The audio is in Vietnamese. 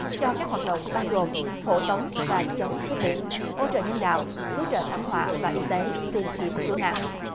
cho các hoạt động bao gồm hộ tống và chống cướp biển hỗ trợ nhân đạo cứu trợ thảm họa và y tế tìm kiếm cứu nạn